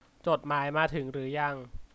จดหมายมาหรือยัง